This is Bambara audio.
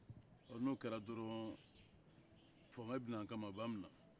ɔ n'o kɛra dɔrɔn faamaw bɛ na an kama u b'an minɛ